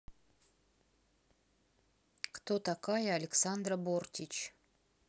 кто такая александра бортич